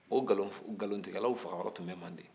o nkalontigɛlaw fagayɔrɔ tun bɛ mande